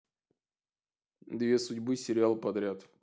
две судьбы сериал подряд